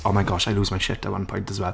Oh my gosh, I lose my shit at one point as well.